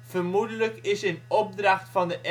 Vermoe­delijk is in opdracht van de